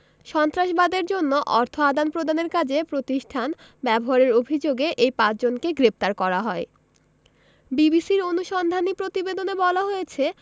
সন্ত্রাসবাদের জন্য অর্থ আদান প্রদানের কাজে প্রতিষ্ঠান ব্যবহারের অভিযোগে এই পাঁচজনকে গ্রেপ্তার করা হয় বিবিসির অনুসন্ধানী প্রতিবেদনে বলা হয়েছে